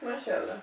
macha allah